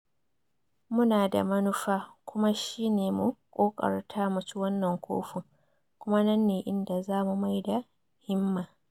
Mu na da manufa, kuma shi ne mu kokarta muci wannan kofin, kuma nan ne inda zamu mai da himma.